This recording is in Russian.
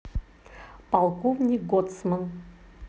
полковник гоцман